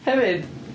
Hefyd...